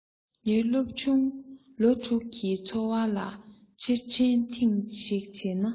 ངའི སློབ ཆུང ལོ དྲུག གི འཚོ བ ལ ཕྱིར དྲན ཐེངས ཤིག བྱས ན